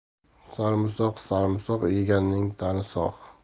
sarimsoq sarimsoq yeganning tani sog'